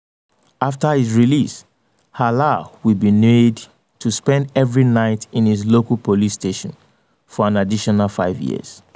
After his release, Alaa will be made to spend every night in his local police station for an additional five years.